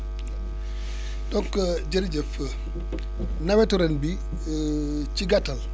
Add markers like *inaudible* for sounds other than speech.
waaw *breath* donc jërëjëf *noise* nawetu ren bii *hesitation* ci gàttal